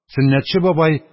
Сөннәтче бабай